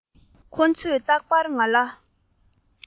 ཁོ ཚོས རྟག པར ང ལ